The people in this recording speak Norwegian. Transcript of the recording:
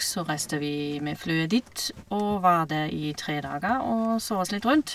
Så reiste vi med flyet dit og var der i tre dager og så oss litt rundt.